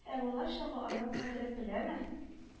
Ә бала-чага аның кадерен беләме